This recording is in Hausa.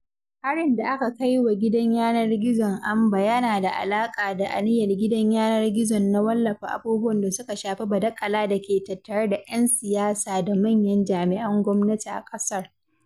Harin da aka kai wa gidan yanar gizon Anbaa yana da alaƙa da aniyar gidan yanar gizon na wallafa abubuwan da suka shafi badaƙala da ke tattare da ‘yan siyasa da manyan jami’an gwamnati a ƙasar.